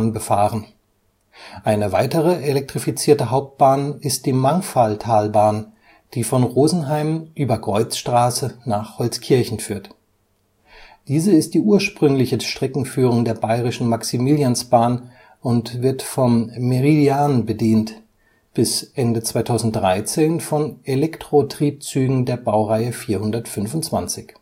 befahren. Eine weitere elektrifizierte Hauptbahn ist die Mangfalltalbahn (Vzg 5622), die von Rosenheim über Kreuzstraße nach Holzkirchen führt. Diese ist die ursprüngliche Streckenführung der Bayerischen Maximiliansbahn und wird vom Meridian bedient, bis Ende 2013 von Elektrotriebzügen der Baureihe 425